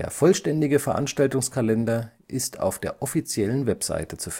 vollständige Veranstaltungskalender ist auf der offiziellen Webseite zu